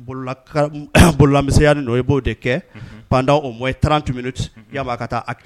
Bololaya b'o de kɛ pantan o mɔ i taara tun yama ka taa